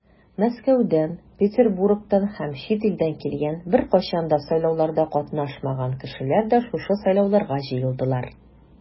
Мәскәүдән, Петербургтан һәм чит илдән килгән, беркайчан да сайлауларда катнашмаган кешеләр дә шушы сайлауларга җыелдылар.